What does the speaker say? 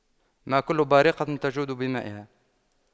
ما كل بارقة تجود بمائها